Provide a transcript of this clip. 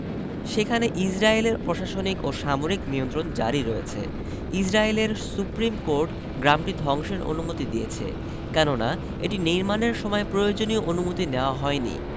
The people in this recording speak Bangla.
সেখানে ইসরাইলের প্রশাসনিক ও সামরিক নিয়ন্ত্রণ জারি রয়েছে ইসরাইলের সুপ্রিম কোর্ট গ্রামটি ধ্বংসের অনুমতি দিয়েছে কেননা এটি নির্মাণের সময় প্রয়োজনীয় অনুমতি নেওয়া হয়নি